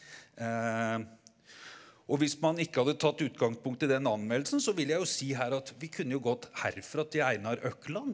og hvis man ikke hadde tatt utgangspunkt i den anmeldelsen, så vil jeg jo si her at vi kunne jo gått herfra til Einar Økland.